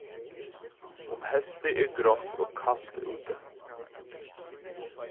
um heystið er grátt og kalt úti